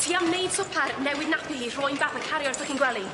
Ti am neud swper newid nappy hi rhoi bath a cario i ffycin gwely?